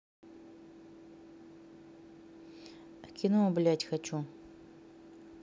кино блять хочу